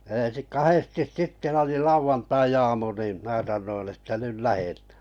ensin kahdesti sitten oli lauantaiaamu niin minä sanoin että nyt lähdetään